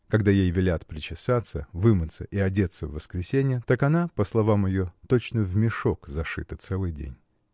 Когда ей велят причесаться, вымыться и одеться в воскресенье, так она, по словам ее, точно в мешок зашита целый день.